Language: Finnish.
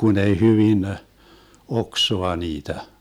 kun ei hyvin oksaa niitä